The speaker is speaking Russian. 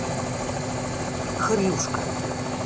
хрюшка